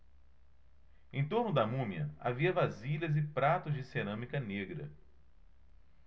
em torno da múmia havia vasilhas e pratos de cerâmica negra